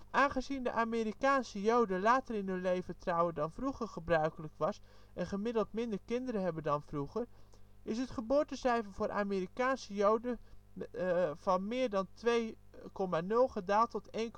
Aangezien de Amerikaanse joden later in hun leven trouwen dan vroeger gebruikelijk was en gemiddeld minder kinderen hebben dan vroeger, is het geboortencijfer voor Amerikaanse joden van meer dan 2,0 gedaald tot 1,7